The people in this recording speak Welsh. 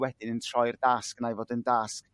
wedyn yn troi'r dasg 'na i fod yn dasg